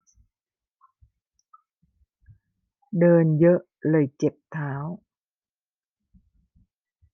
เดินเยอะเลยเจ็บเท้า